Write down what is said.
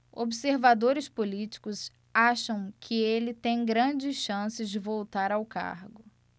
observadores políticos acham que ele tem grandes chances de voltar ao cargo